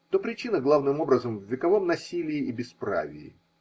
то причина, главным образом, в вековом насилии и бесправии.